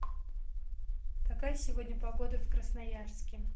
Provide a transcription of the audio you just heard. какая сегодня погода в красноярске